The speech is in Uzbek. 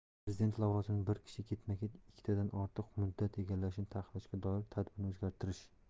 prezident lavozimini bir kishi ketma ket ikkitadan ortiq muddat egallashini taqiqlashga doir tartibni o'zgartirish